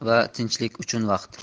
va tinchlik uchun vaqt